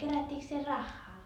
kerättiinkö siellä rahaa